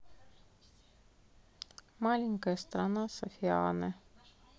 маленькая страна sofiane